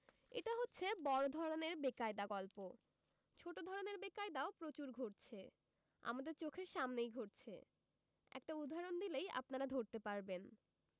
এটা হচ্ছে বড় ধরনের বেকায়দার গল্প ছোট ধরনের বেকায়দাও প্রচুর ঘটছে আমাদের চোখের সামনেই ঘটছে একটা উদাহরণ দিসেই আপনারা ধরতে পারবেন